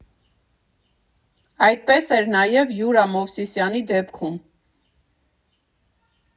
Այդպես էր նաև Յուրա Մովսիսյանի դեպքում։